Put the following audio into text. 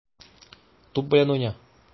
Туп белән уйна.